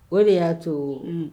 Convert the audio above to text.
O de y'a to